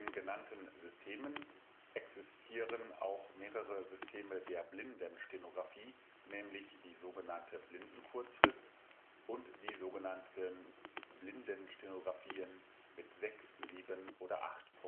genannten Systemen existieren auch mehrere Systeme der Blindenstenografie, nämlich die sog. Blindenkurzschrift und die sog. Blindenstenographien mit 6, 7 oder 8